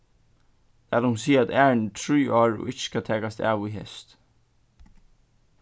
lat okkum siga at ærin er trý ár og ikki skal takast av í heyst